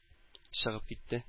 Чыгып китте